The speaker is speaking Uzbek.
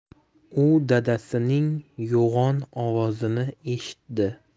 u dadasining yo'g'on ovozini eshitdi